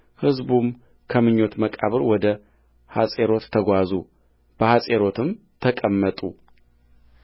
ሕዝቡም ከምኞት መቃብር ወደ ሐጼሮት ተጓዙ በሐጼሮትም ተቀመጡ